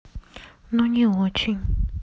ну не очень